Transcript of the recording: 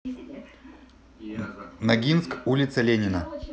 ногинск улица ленина